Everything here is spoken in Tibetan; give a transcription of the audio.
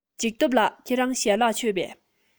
འཇིགས སྟོབས ལགས ཁྱེད རང ཞལ ལག མཆོད པས